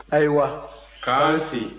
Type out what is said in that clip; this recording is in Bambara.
ayiwa k'an si